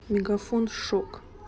мегафон шок